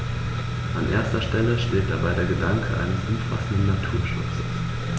An erster Stelle steht dabei der Gedanke eines umfassenden Naturschutzes.